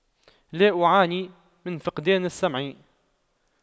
لا أعاني من فقدان السمع